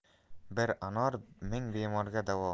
bir anor ming bemorga davo